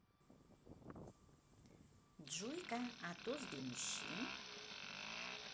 джой ка а тост для мужчин